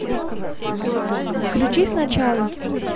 включи сначала